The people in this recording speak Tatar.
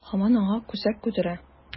Һаман аңа күсәк күтәрә.